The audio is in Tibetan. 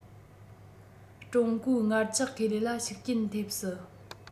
ཀྲུང གོའི ངར ལྕགས ཁེ ལས ལ ཤུགས རྐྱེན ཐེབས སྲིད